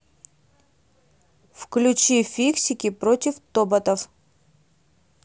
включи фиксики против тоботов